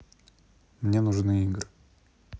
мне нужны игры